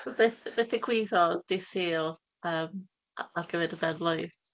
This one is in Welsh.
So beth beth ddigwyddodd dydd Sul, yym, a- ar gyfer dy ben-blwydd?